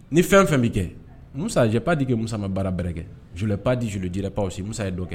Ni fɛn fɛn bi kɛ Musa. je n'ai pas dit que Moussa ma baara bɛrɛ kɛ. Je n'ai pas dit et je ne dirai pas aussi Musa ye dɔ kɛ.